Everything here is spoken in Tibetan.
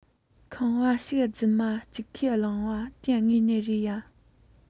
ཁང པ ཞིག རྫུན མ གཅིག ཁས བླངས པ དེ དངོས གནས རེད ཡ